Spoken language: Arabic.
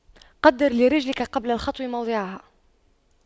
قَدِّرْ لِرِجْلِكَ قبل الخطو موضعها